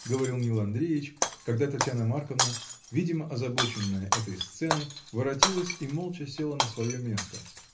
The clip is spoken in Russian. — говорил Нил Андреич, когда Татьяна Марковна, видимо озабоченная этой сценой, воротилась и молча села на свое место.